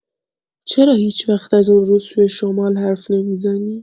چرا هیچ‌وقت از اون روز توی شمال حرف نمی‌زنی؟